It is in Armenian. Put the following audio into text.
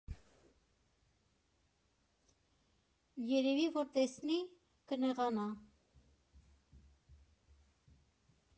Երևի որ տեսնի՝ կնեղանա»։